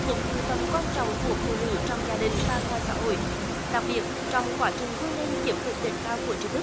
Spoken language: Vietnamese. cũng như tầm quan trọng của phụ nữ trong gia đình và ngoài xã hội đặc biệt trong quá trình vươn lên chiếm lĩnh đỉnh cao của tri thức